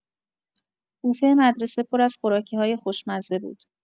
بوفه مدرسه پر از خوراکی‌های خوشمزه بود.